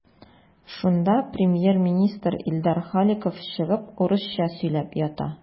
Шунда премьер-министр Илдар Халиков чыгып урысча сөйләп ята.